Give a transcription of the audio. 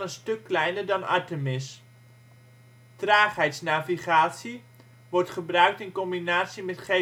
stuk kleiner dan Artemis. Traagheidsnavigatie wordt gebruikt in combinatie met